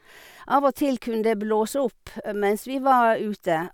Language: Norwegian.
Av og til kunne det blåse opp mens vi var ute.